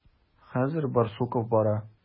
Хәзер Барсуков бара.